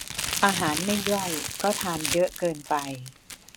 อาหารไม่ย่อยเพราะทานเยอะเกินไป